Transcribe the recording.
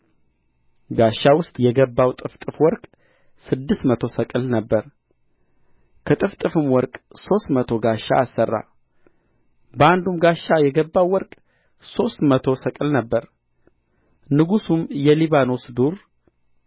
ጋሻ ውስጥ የገባው ጥፍጥፍ ወርቅ ስድስት መቶ ሰቅል ነበረ ከጥፍጥም ወርቅ ሦስት መቶ ጋሻ አሠራ በአንዱም ጋሻ የገባው ወርቅ ሦስት መቶ ሰቅል ነበረ ንጉሡም የሊባኖስ ዱር